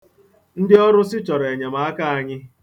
Ndị ọrụsị chọrọ enyemaka anyị